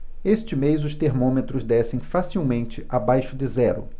este mês os termômetros descem facilmente abaixo de zero